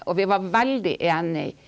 og vi var veldig enig.